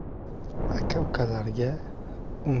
aka ukalar unga